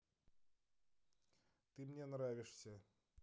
ты мне нравишься